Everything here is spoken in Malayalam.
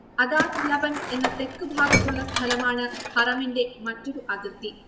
അദാത്ത് ലബൻ എന്ന തെക്ക് ഭാഗത്തുള്ള സ്ഥലമാണ് ഹറമിന്റെ മറ്റൊരു അതിർത്തി